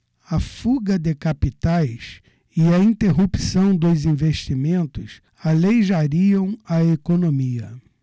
a fuga de capitais e a interrupção dos investimentos aleijariam a economia